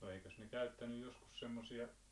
no eikös ne käyttänyt joskus semmoisia